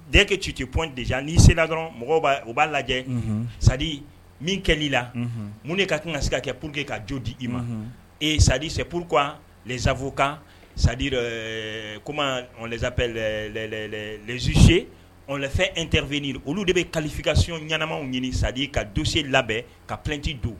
Denkɛke ci tɛ pɔndz n' sen dɔrɔn mɔgɔ u b'a lajɛ sadi min kɛli la mun de ka kan ka se ka kɛ pur que ka jo di i ma ee sadi sɛ pur qu zsaffukan sadi zoselɛfɛn in terirfin olu de bɛ kalifafikasi ɲɛnaɛnɛmaw ɲini sadi ka donsen labɛn ka plɛti don